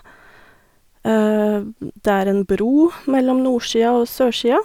Det er en bro mellom nordsia og sørsia.